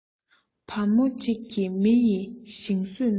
བ མོ གཅིག གིས མི ཡི ཞིང ཟོས ན